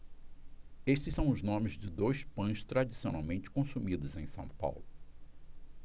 esses são os nomes de dois pães tradicionalmente consumidos em são paulo